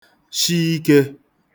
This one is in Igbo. shi ikē